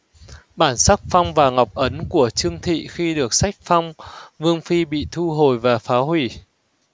bản sắc phong và ngọc ấn của trương thị khi được sách phong vương phi bị thu hồi và phá hủy